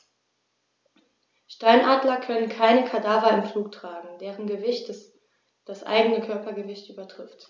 Steinadler können keine Kadaver im Flug tragen, deren Gewicht das eigene Körpergewicht übertrifft.